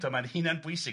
Ti'wbod mae'n hunan bwysig.